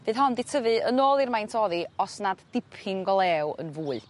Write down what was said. bydd hon di tyfu yn ôl i'r maint o'dd 'i os nad dipyn go lew yn fwy.